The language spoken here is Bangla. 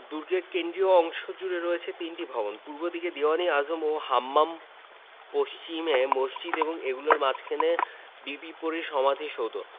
দুর্গের কেন্দ্রীয় অংশ জুড়ে রয়েছে তিনটি ভবন পূর্ব দিকে দীউয়ান ই আম ও হাম্মাম পশ্চিমে মসজিদ এবং এগুলির মাঝখানে বিবি পরীর সমাধিসৌধ